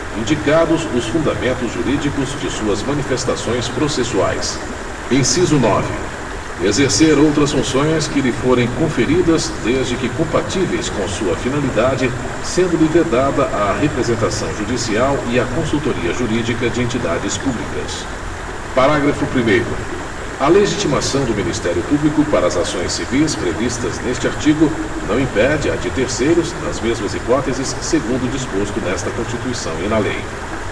indicados os fundamentos jurídicos de suas manifestações processuais inciso nove exercer outras funções que lhe forem conferidas desde que compatíveis com sua finalidade sendo lhe vedada a representação judicial e a consultoria jurídica de entidades públicas parágrafo primeiro a legitimação do ministério público para as ações civis previstas neste artigo não impede a de terceiros nas mesmas hipóteses segundo o disposto nesta constituição e na lei